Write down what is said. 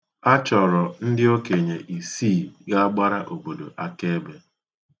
A chọrọ ndi okenye isii ga-agbara obodo akaebe.